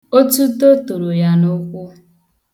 Otuto toro ya n'ụkwụ.